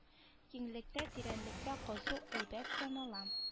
Киңлектә тирәнлектә казу әйбәт санала